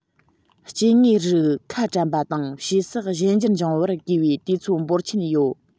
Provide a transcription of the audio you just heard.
སྐྱེ དངོས རིགས ཁ གྲམ པ དང ཕྱིས སུ གཞན འགྱུར འབྱུང བར དགོས པའི དུས ཚོད འབོར ཆེན ཡོད